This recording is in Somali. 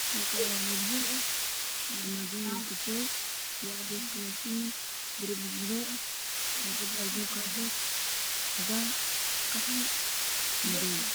Meeshan waa qol waxaa yaalla buugaan waxa ay saaran yihiin iska faallo waana maktabad